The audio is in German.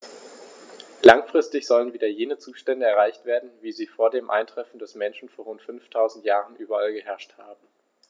Langfristig sollen wieder jene Zustände erreicht werden, wie sie vor dem Eintreffen des Menschen vor rund 5000 Jahren überall geherrscht haben.